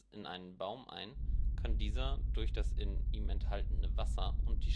in einen Baum ein, kann dieser durch das in ihm enthaltene Wasser und